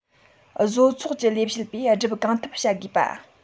བཟོ ཚོགས ཀྱི ལས བྱེད པས བསྒྲུབ གང ཐུབ བྱ དགོས པ